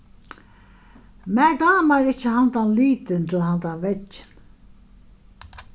mær dámar ikki handan litin til handan veggin